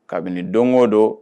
Kabini don o don